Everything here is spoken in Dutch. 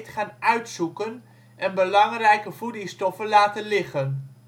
gaan uitzoeken en belangrijke voedingsstoffen laten liggen